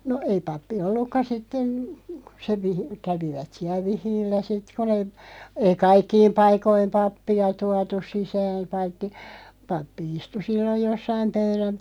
no ei pappi ollutkaan sitten kun se - kävivät siellä vihillä sitten kun ne ei kaikkiin paikkoihin pappia tuotu sisään paitsi pappi istui silloin jossakin -